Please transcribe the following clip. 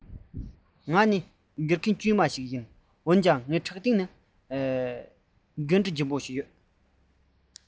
ང ནི ཆེས སྤྱིར བཏང གི དགེ རྒན དཀྱུས མ ཞིག ཡིན ཕྲག སྟེང ན དེ ལས ལྡོག པའི འགན འཁྲི ལྕི མོ ཡོད པ སྔར ནས ཤེས ཡོད